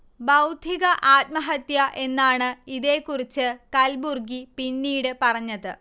'ബൗദ്ധിക ആത്മഹത്യ' എന്നാണ് ഇതേകുറിച്ച് കൽബുർഗി പിന്നീട് പറഞ്ഞത്